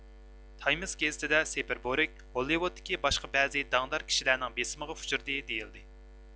تايمېس گېزىتى دە سپېربورگ ھوللۇۋۇدتىكى باشقا بەزى داڭدار كىشىلەرنىڭ بېسىمىغا ئۇچرىدى دېيىلدى